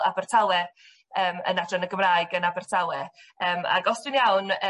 Abertawe yym yn Adran y Gymraeg yn Abertawe. Yym ag os dwi'n iawn